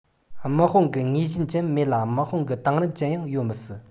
དམག དཔུང གི དངོས གཞི ཅན མེད ན དམག དཔུང གི དེང རབས ཅན ཡོད མི སྲིད